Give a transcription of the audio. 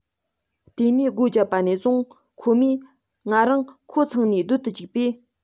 ལྟེ གནས སྒོ བརྒྱབ པ ནས བཟུང ཁོ མོས ང རང ཁོ ཚང ནས སྡོད དུ བཅུག པས